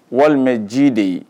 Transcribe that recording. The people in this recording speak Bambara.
Walima ji de ye